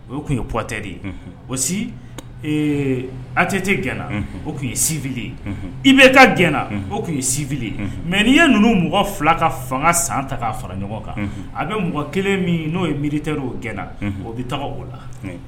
O tun ye pɔte de ye o si an te tɛ g o tun ye sifi i bɛ taa gna o tun ye sifi mɛ n'i ye ninnu mɔgɔ fila ka fanga san ta k'a fara ɲɔgɔn kan a bɛ mɔgɔ kelen min n'o ye miiriter' o gɛnna o bɛ tɔgɔ o la